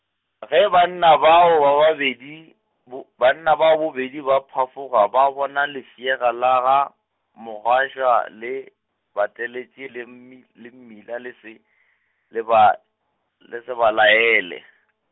ge banna bao ba babedi bo, banna bao bobedi ba phafoga ba bona lefšega la ga, Mogwaša le bataletše le mmil-, le mmila le se, le ba, le se ba laele .